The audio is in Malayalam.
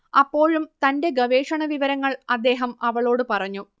അപ്പോഴും തന്റെ ഗവേഷണവിവരങ്ങൾ അദ്ദേഹം അവളോട് പറഞ്ഞു